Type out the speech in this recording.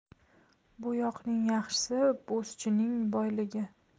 bo'yoqning yaxshisi bo'zchining boyligi